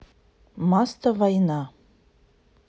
маста война